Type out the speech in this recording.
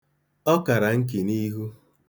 Ọ kara nki n'ihu.